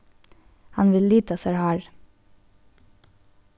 hann vil lita sær hárið